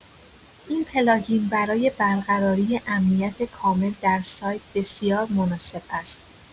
این پلاگین برای برقراری امنیت کامل در سایت بسیار مناسب است.